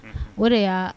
O de